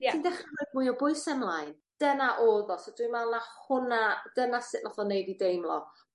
Ie. ...ti'n dechre roid mwy o bwyse mlaen. Dyna o'dd o so dwi'n me'wl ma' hwnna dyna sut nath o neud fi deimlo.